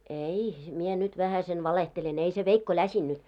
ei minä nyt vähäsen valehtelen ei se veikko läsinyt